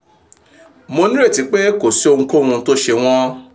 Mo ní ìrètí pé kò sí ohunkóhun tó ṣe wọ́n”